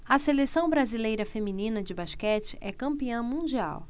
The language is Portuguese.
a seleção brasileira feminina de basquete é campeã mundial